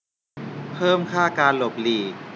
เพิ่มค่าการหลบหลีก